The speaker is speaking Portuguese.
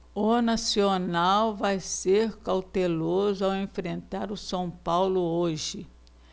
o nacional vai ser cauteloso ao enfrentar o são paulo hoje